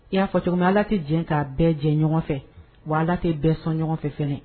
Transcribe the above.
I y'a fɔ cogo min allah tɛ jɛ k'a bɛɛ jɛ ɲɔgɔn fɛ, wa allah tɛ bɛɛ sɔn ɲɔgɔn fɛ.